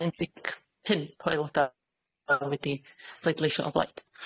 Un dec pump o aeloda' wedi pleidleisio o blaid.